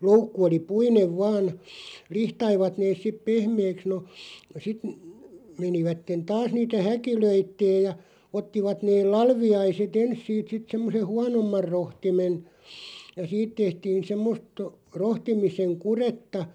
loukku oli puinen vain lihtasivat ne sitten pehmeäksi no sitten menivät taas niitä häkilöimään ja ottivat ne latviaiset ensin siitä sitten semmoisen huonomman rohtimen ja siitä tehtiin semmoista rohtimisen kudetta